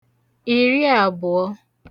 ìriàbụ̀ọ